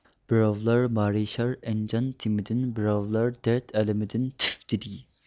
بىراۋلار مارىشار ئەنجان تېمىدىن بىراۋلار دەرد ئەلىمىدىن تۈف دېدى